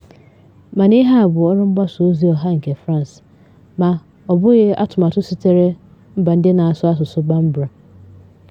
Mana ihe a bụ ọrụ mgbasa ozi ọha nke France ma ọ bụghị atụmatụ sitere mba ndị na-asụ asụsụ Bambara.